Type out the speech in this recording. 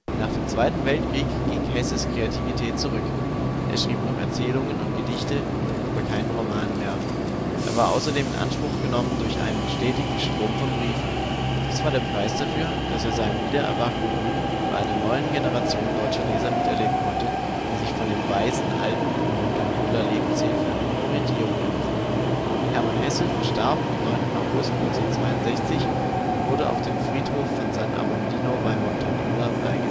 Nach dem Zweiten Weltkrieg ging Hesses Kreativität zurück: Er schrieb noch Erzählungen und Gedichte, aber keinen Roman mehr. Er war außerdem in Anspruch genommen durch einen stetigen Strom von Briefen - dies war der Preis dafür, dass er seinen wiedererwachten Ruhm bei einer neuen Generation deutscher Leser miterleben konnte, die sich von dem " weisen Alten " in Montagnola Lebenshilfe und Orientierung erhofften. Hermann Hesse verstarb am 9. August 1962 und wurde auf dem Friedhof von San Abbondio bei Montagnola beigesetzt, auf dem